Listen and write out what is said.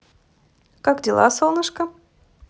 как дела солнышко